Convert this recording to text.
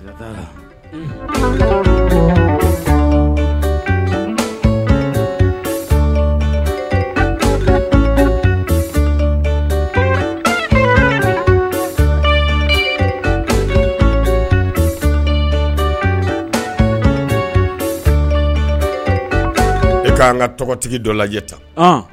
I kaan ka tɔgɔtigi dɔ lajɛ tan